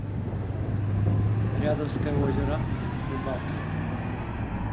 рядовское озеро рыбалка